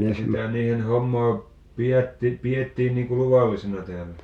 sitä niiden hommaa - pidettiin niin kuin luvallisena täällä